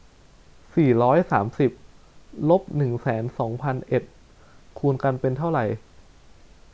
สี่ร้อยสามสิบลบหนึ่งแสนสองพันเอ็ดคูณกันเป็นเท่าไหร่